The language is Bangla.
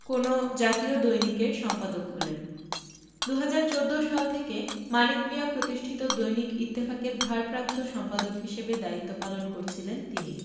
কোনো জাতীয় দৈনিকের সম্পাদক হলেন ২০১৪ সাল থেকে মানিক মিঞা প্রতিষ্ঠিত দৈনিক ইত্তেফাকের ভারপ্রাপ্ত সম্পাদক হিসেবে দায়িত্ব পালন করছিলেন তিনি